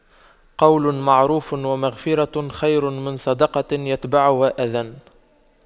قَولٌ مَّعرُوفٌ وَمَغفِرَةُ خَيرٌ مِّن صَدَقَةٍ يَتبَعُهَا أَذًى